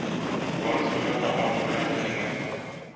Барысыннан да артыграк сәләмә